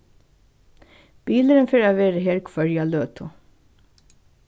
bilurin fer at vera her hvørja løtu